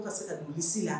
Tena se ka don misi la.